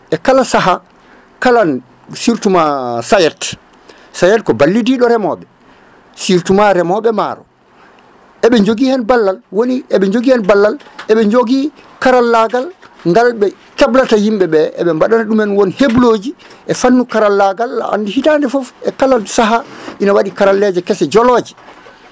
e kala saaha kala surtout ma SAET SAET ko ballidiɗo remoɓe surtout ma remoɓe maaro eɓe jogui hen ballal woni eɓe jogui hen ballal eɓe jogui karallagal ngal ɓe keblata yimɓeɓe ɓe mbaɗana ɗumen won hebloji e fannu karallagal andi hitande foof e kala saaha ine waɗi karalleje keese joloje